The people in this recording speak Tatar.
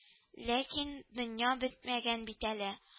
Ләкин дөнья бетмәгән бит әле